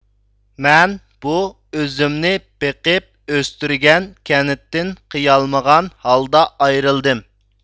مەن بۇ ئۆزۈمنى بېقىپ ئۆستۈرگەن كەنتتىن قىيمىغان ھالدا ئايرىلدىم